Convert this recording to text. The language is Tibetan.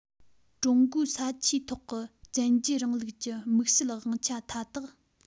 ཀྲུང གོའི ས ཆའི ཐོག གི བཙན རྒྱལ རིང ལུགས ཀྱི དམིགས བསལ དབང ཆ མཐའ དག